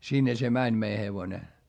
sinne se meni meidän hevonen